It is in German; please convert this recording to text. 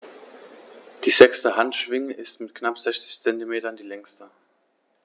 Die sechste Handschwinge ist mit knapp 60 cm die längste.